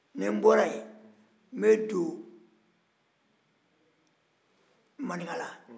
ni n bɔra yen n bɛ don maninkala